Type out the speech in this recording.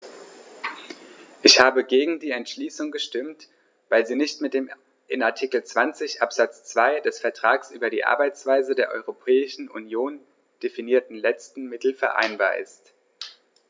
Ich habe gegen die Entschließung gestimmt, weil sie nicht mit dem in Artikel 20 Absatz 2 des Vertrags über die Arbeitsweise der Europäischen Union definierten letzten Mittel vereinbar ist.